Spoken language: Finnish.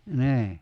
niin